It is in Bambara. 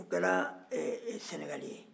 o kɛra ɛ sɛnɛgali ye